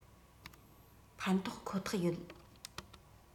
ཕན ཐོགས ཁོ ཐག ཡོད